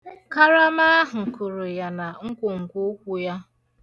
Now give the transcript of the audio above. Karama ahụ kụrụ ya na nkwonkwoụkwụ ya.